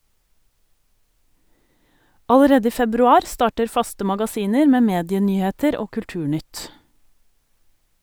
Allerede i februar starter faste magasiner med medienyheter og kulturnytt.